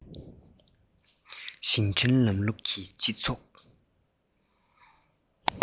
ཞིང ཕྲན ལམ ལུགས ཀྱི སྤྱི ཚོགས